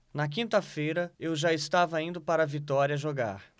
na quinta-feira eu já estava indo para vitória jogar